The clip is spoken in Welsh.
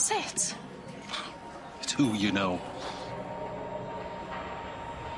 Sut? It's who you know.